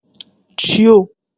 چیو؟